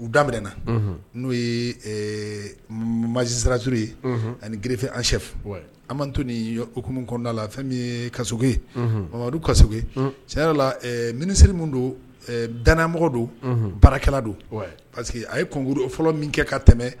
U daminɛna n'o ye masarajuru ye ani giefe an sɛfu an man to nin okumu kɔnɔnada la fɛn ye kamadu ka tiɲɛ la minisiriri min don danmɔgɔ don baarakɛla don pa que a yego fɔlɔ min kɛ ka tɛmɛ